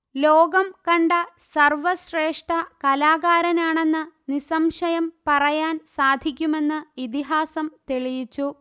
ലോകം കണ്ട സർവ്വശ്രേഷ്ഠ കലാകാരനാണെന്ന് നിസ്സംശയം പറയാൻസാധിക്കുമെന ്ന്ഇതിഹാസം തെളിയിച്ചു